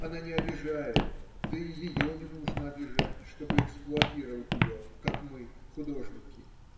Она не обижает, да и ее не нужно обижать, чтобы эксплуатировать ее, как мы, художники.